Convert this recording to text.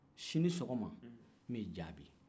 sinin sɔgɔma n b'i jaabi